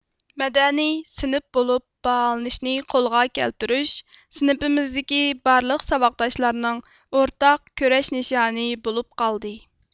مەدەنىي سىنىپ بولۇپ باھالىنىشنى قولغا كەلتۈرۈش سىنىپىمىزدىكى بارلىق ساۋاقداشلارنىڭ ئورتاق كۆرەش نىشانى بولۇپ قالدى